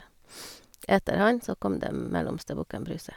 Etter han, så kom den mellomste bukken Bruse.